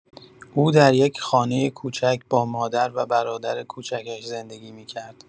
او در یک خانۀ کوچک با مادر و برادر کوچکش زندگی می‌کرد.